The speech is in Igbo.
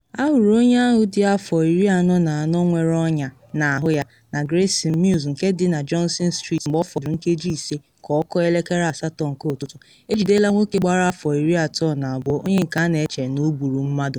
A hụrụ onye ahụ dị afọ iri anọ na anọ nwere ọnya n'ahụ ya na Grayson Mews nke dị na Johnson Street mgbe ọ fọdụrụ nkeji ise ka ọ kụọ elekere asatọ nke ụtụtụ. E jidela nwoke gbara afọ iri atọ na abụọ onye nke a na-eche na o gburu mmadụ.